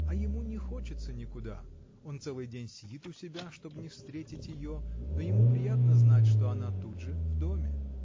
А ему не хочется никуда: он целый день сидит у себя, чтоб не встретить ее, но ему приятно знать, что она тут же в доме.